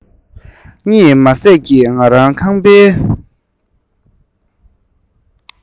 གཉིད མ སད ཀྱི ང རང ཁང པའི